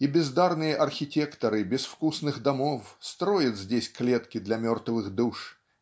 и бездарные архитекторы безвкусных домов строят здесь клетки для мертвых душ